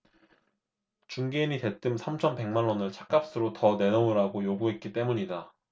중개인이 대뜸 삼천 백 만원을 찻값으로 더 내놓으라고 요구했기 때문이다